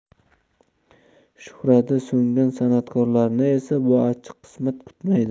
shuhrati so'ngan san'atkorlarni esa bu achchiq qismat kutmaydi